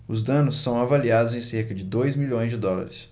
os danos são avaliados em cerca de dois milhões de dólares